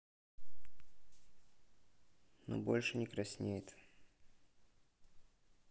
ну больше не краснеет